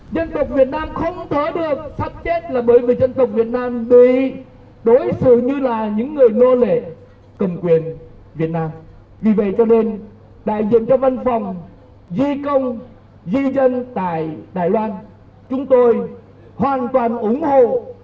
dân tộc việt nam không thở được sắp chết là bởi vì dân tộc việt nam bị đối xử như là những người nô lệ cầm quyền việt nam vì vậy cho nên đại diện cho văn phòng di công di dân tại đài loan chúng tôi hoàn toàn ủng hộ